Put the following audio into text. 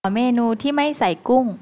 ขอเมนูที่ไม่ใส่กุ้ง